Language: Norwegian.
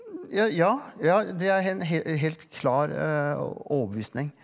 je ja ja det er helt klar overbevisning.